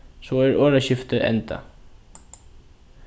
so er orðaskiftið endað